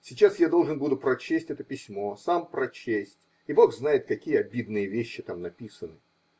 Сейчас я должен буду прочесть это письмо, сам прочесть, и Бог знает, какие обидные вещи там написаны.